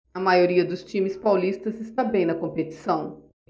a maioria dos times paulistas está bem na competição